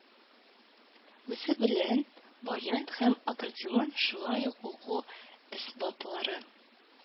Үзе белән баян һәм аккордеон, шулай ук уку әсбаплары,